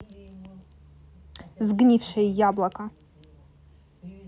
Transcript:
сгнившее яблоко